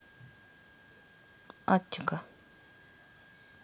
аттика